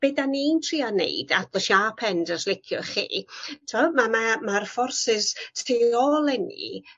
be' 'dan ni'n trio neud at the sharp end os liciwch chi t'wel' ma' ma' ma'r forces tu ôl i ni